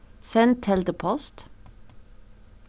send teldupost